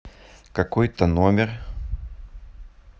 какой то номер